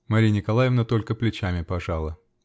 Марья Николаевна только плечами пожала.